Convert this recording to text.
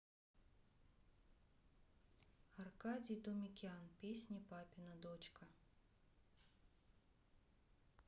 аркадий думикян песни папина дочка